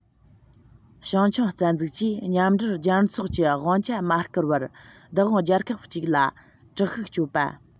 བྱང ཆིངས རྩ འཛུགས ཀྱིས མཉམ འབྲེལ རྒྱལ ཚོགས ཀྱིས དབང ཆ མ བསྐུར བར བདག དབང རྒྱལ ཁབ ཅིག ལ དྲག ཤུགས སྤྱོད པ